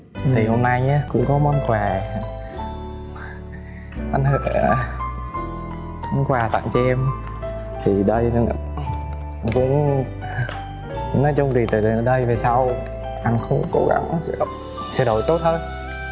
thì hôm nay nhá cũng có món quà à anh hơi món quà tặng cho em thì đây rằng cũng nói chung thì từ đây về sau anh củng cố gắng sửa sửa đổi tốt hơn